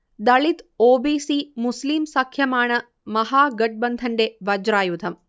ദളിത്-ഒ. B. C- മുസ്ലീം സഖ്യമാണ് മഹാഗത്ബന്ധന്റെ വജ്രായുധം